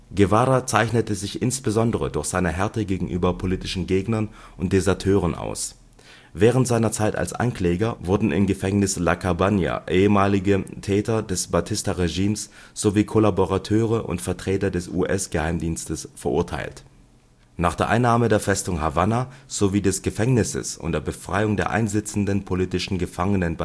Guevara zeichnete sich insbesondere durch seine Härte gegenüber politischen Gegnern und Deserteuren aus. Während seiner Zeit als Ankläger wurden im Gefängnis La Cabaña ehemalige Täter des Batista-Regimes sowie Kollaborateure und Vertreter des US-Geheimdienstes verurteilt. Nach der Einnahme der Festung Havanna sowie des Gefängnisses und der Befreiung der einsitzenden politischen Gefangenen